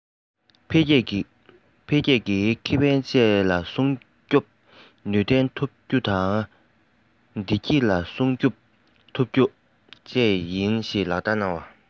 འཕེལ རྒྱས ཀྱི ཁེ ཕན བཅས ལ སྲུང སྐྱོབ ནུས ལྡན ཐུབ རྒྱུ དང བདེ སྐྱིད ལ སྲུང སྐྱོབ ཐུབ རྒྱུ བཅས ཡིན ཞེས བསྟན གནང བ རེད